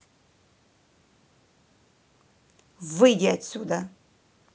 выйди от сюда